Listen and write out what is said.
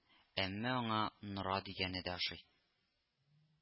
Әмма аңа нора дигәне дә ошый